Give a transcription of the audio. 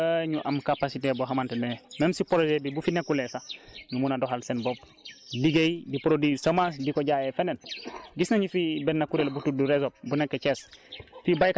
te béykat yooyu nag dinañu fexe tàggat leen gunge leen ba ñu am capacité boo xamante ne même su projet bi bu fi nekkulee sax ñu mun a doxal seen bopp liggéey di produire semence di ko jaayee feneen